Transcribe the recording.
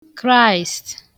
kraị̀st